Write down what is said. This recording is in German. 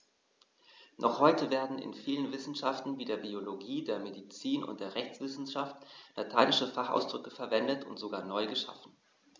Noch heute werden in vielen Wissenschaften wie der Biologie, der Medizin und der Rechtswissenschaft lateinische Fachausdrücke verwendet und sogar neu geschaffen.